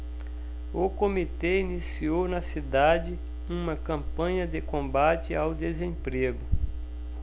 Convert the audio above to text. o comitê iniciou na cidade uma campanha de combate ao desemprego